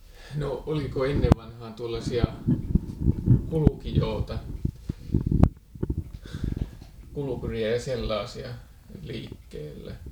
no oliko ennen vanhaan tuollaisia kulkijoita kulkuria ja sellaisia liikkeellä